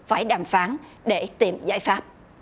phải đàm phán để tìm giải pháp